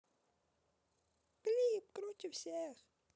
clip круче всех